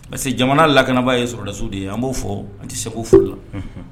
Parce que jamana lakanabaa ye sɔrɔdasiw de ye an b'o fɔ an ti sɛgɛn o fɔli la unhun